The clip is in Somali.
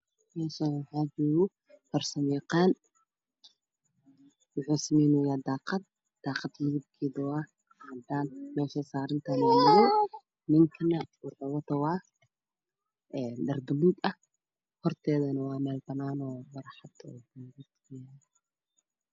Meshaan waxajogafarsamayaqan wusameynoya daqad daqadamidibkedana waa cadan mesheysarantahaynawa madow ninkan wuxu watadharbalug ah hortedana waameelbanan ah barxad